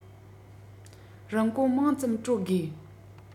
རིན གོང མང ཙམ སྤྲོད དགོས